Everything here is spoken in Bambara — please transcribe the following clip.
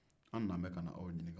an nalen be ka na aw ɲininka